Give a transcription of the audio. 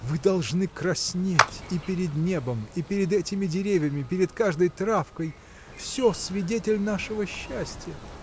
вы должны краснеть и перед небом и перед этими деревьями перед каждой травкой. всё свидетель нашего счастия